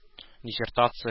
Диссертация